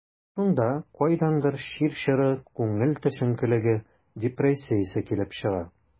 Шунда кайдандыр чир чоры, күңел төшенкелеге, депрессиясе килеп чыга.